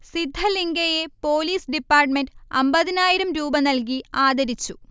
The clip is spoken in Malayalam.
സിദ്ധലിങ്കയെ പോലീസ് ഡിപ്പാർട്മെൻറ് അൻപതിനായിരം രൂപ നൽകി ആദരിച്ചു